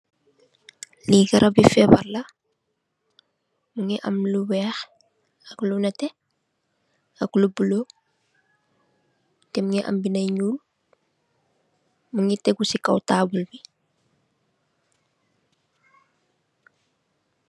Li garabi febar la , mungi am lu wekh , ak lu netteh , ak lu bullo , te mungi am binda yu nyul , mungi tegu si kaw tabul bi.